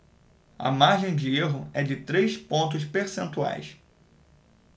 a margem de erro é de três pontos percentuais